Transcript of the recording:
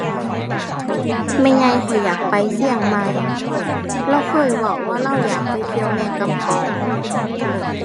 แม่ใหญ่ข้อยอยากไปเชียงใหม่ เลาเคยเว้าว่าเลาอยากไปเที่ยวแม่กำปอง